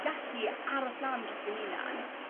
gallu aros lan dros dy hunan